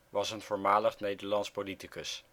was een voormalig Nederlands politicus